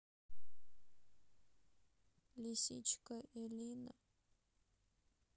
лисичка элина